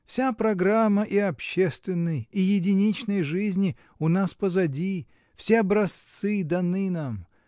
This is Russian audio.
— Вся программа, и общественной, и единичной жизни, у нас позади: все образцы даны нам.